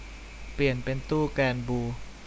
เปลี่ยนเป็นตู้แกรนบลู